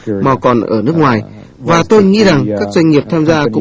mà còn ở nước ngoài và tôi nghĩ rằng các doanh nghiệp tham gia cũng